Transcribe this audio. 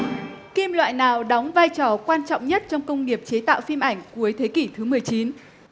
kim loại nào đóng vai trò quan trọng nhất trong công nghiệp chế tạo phim ảnh cuối thế kỷ thứ mười chín